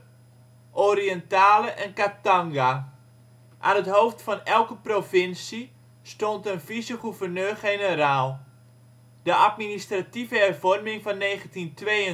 Orientale en Katanga. Aan het hoofd van elke provincie stond een vice-gouverneur-generaal. De administratieve hervorming van 1932